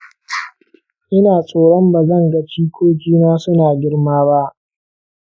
ina tsoron ba zan ga jikokina suna girma ba.